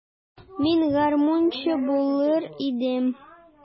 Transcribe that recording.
Мин гармунчы булыр идем.